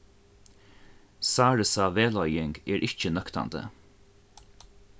sárusa vegleiðing er ikki nøktandi